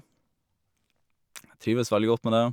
Jeg trives veldig godt med det.